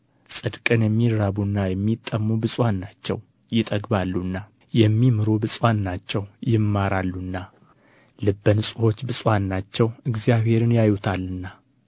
ጽድቅን የሚራቡና የሚጠሙ ብፁዓን ናቸው ይጠግባሉና የሚምሩ ብፁዓን ናቸው ይማራሉና ልበ ንጹሖች ብፁዓን ናቸው እግዚአብሔርን ያዩታልና